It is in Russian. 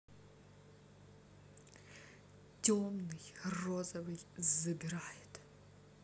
темный розовый забирает